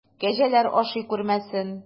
Кәҗәләр ашый күрмәсен!